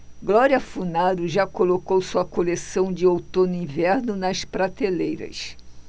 glória funaro já colocou sua coleção de outono-inverno nas prateleiras